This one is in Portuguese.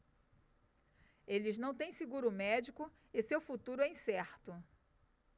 eles não têm seguro médico e seu futuro é incerto